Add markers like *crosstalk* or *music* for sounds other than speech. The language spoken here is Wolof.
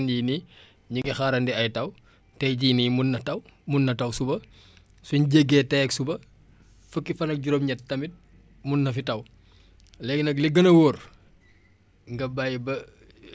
tey jii nii mun na taw mun na taw suba *breath* suñ jéggee tey ak suba fukki fan ak juróom-ñett tamit mun na fi taw *breath* léegi nag li gën a wóor nga bàyyi ba *hesitation* kii boobu passé *noise*